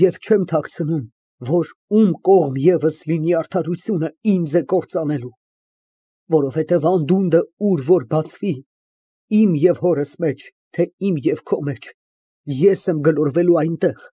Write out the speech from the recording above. Եվ չեմ թաքցնում, որ ում կողմ ևս լինի արդարությունը ֊ ինձ է կործանելու, որովհետև անդունդը ուր որ բացվի ֊ իմ և հորս մեջ, թե իմ և քո մեջ ֊ ես եմ գլորվելու այնտեղ։